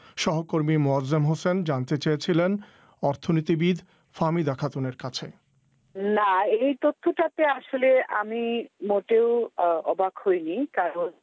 সহকর্মী মোয়াজ্জেম হোসেন জানতে চেয়েছিলেন অর্থনীতিবিদঃ ফাহমিদা খাতুন এর কাছে না এই তথ্যটা তে আসলে আমি মোটেও অবাক হইনি কারণ